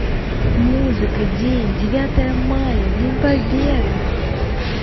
музыка день девятое мая день победы